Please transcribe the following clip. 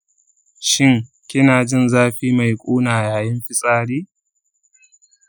shin kina jin zafi mai ƙuna yayin fitsari?